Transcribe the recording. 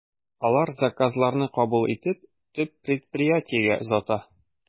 Алар заказларны кабул итеп, төп предприятиегә озата.